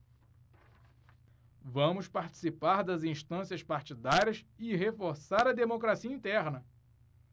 vamos participar das instâncias partidárias e reforçar a democracia interna